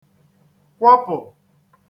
kwọpụ